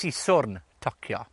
Siswrn tocio.